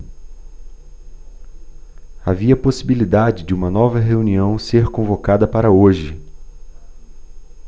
havia possibilidade de uma nova reunião ser convocada para hoje